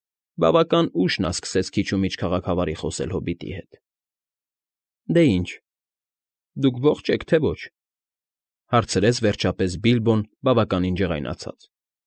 Բավական ուշ նա սկսեց քիչումիչ քաղաքավարի խոսել հոբիտի հետ։ ֊ Դե ինչ, դուք ո՞ղջ եք, թե ոչ,֊ հարցրեց վերջապես Բիլբոն բավականին ջղայնացած։